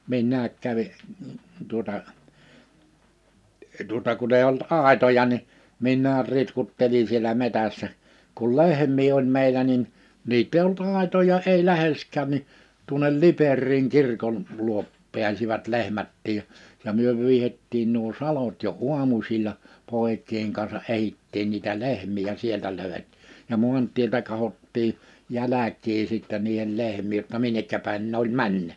minä kävin tuota tuota kun ei ollut aitoja niin minä ritkuttelin siellä metsässä kun lehmiä oli meillä niin niitä ei ollut aitoja ei läheskään niin tuonne Liperiin kirkon luo pääsivät lehmätkin ja ja me vyyhdettiin nuo salot jo aamusilla poikien kanssa etsittiin niitä lehmiä ja sieltä - ja maantieltä katsottiin jälkiä sitten niiden lehmien jotta minne päin ne oli mennyt